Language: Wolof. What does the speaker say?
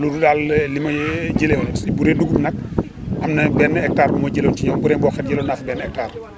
waaw loolu daal li may ji la woon su bu dee dugub nag am na benn hectare bu ma jëloon ci ñoom bu dee mboq it jëloon naa fi benn hectare